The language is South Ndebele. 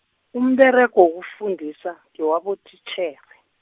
Umberego wokufundisa, ngewabotitjhere.